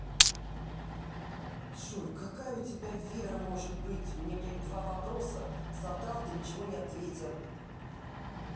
джой какая у тебя вера может быть мне блять два вопроса задал ты ничего не ответил